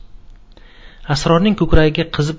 srorning ko'kragi qizib